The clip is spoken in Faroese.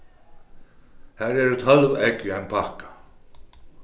har eru tólv egg í einum pakka